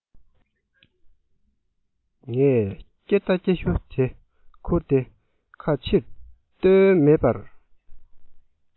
ངས སྐྱེར མདའ སྐྱེར གཞུ དེ ཁུར དེ ཁ ཕྱིར ལྟོས མེད པར